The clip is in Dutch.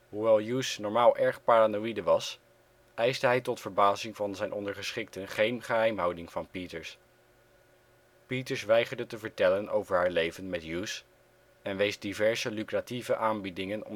Hoewel Hughes normaal erg paranoïde was, eiste hij tot verbazing van zijn ondergeschikten geen geheimhouding van Peters. Peters weigerde te vertellen over haar leven met Hughes en wees diverse lucratieve aanbiedingen